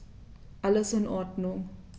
Alles in Ordnung.